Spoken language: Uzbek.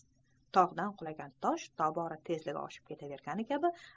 tog'dan qulagan tosh tobora tezligi oshib ketavergani kabi